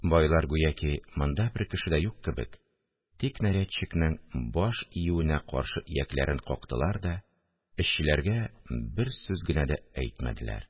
Байлар, гүяки монда бер кеше дә юк кебек, тик нарядчикның баш июенә каршы иякләрен кактылар да эшчеләргә бер сүз генә дә әйтмәделәр